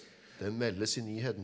det meldes i nyhetene.